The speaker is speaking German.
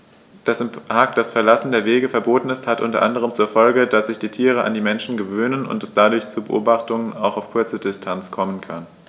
Dass im Park das Verlassen der Wege verboten ist, hat unter anderem zur Folge, dass sich die Tiere an die Menschen gewöhnen und es dadurch zu Beobachtungen auch auf kurze Distanz kommen kann.